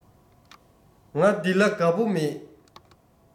ང འདི ལ དགའ པོ མེད